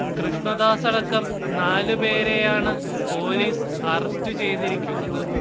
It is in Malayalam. കൃഷ്ണദാസടക്കം നാല് പേരെയാണ് പൊലീസ് അറസ്റ്റ് ചെയ്തിരിക്കുന്നത്